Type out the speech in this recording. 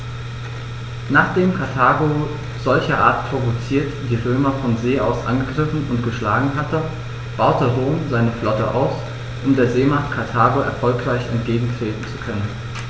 Nachdem Karthago, solcherart provoziert, die Römer von See aus angegriffen und geschlagen hatte, baute Rom seine Flotte aus, um der Seemacht Karthago erfolgreich entgegentreten zu können.